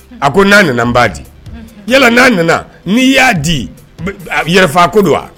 A ko na nana n ba di. Yala na nana ni ya di yɛrɛ faa ko don wa?